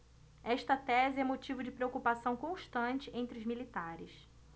esta tese é motivo de preocupação constante entre os militares